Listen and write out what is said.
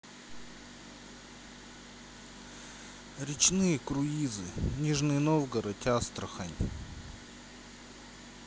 речные круизы нижний новгород астрахань